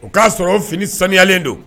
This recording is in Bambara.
O k'a sɔrɔ o fini sanuyalen don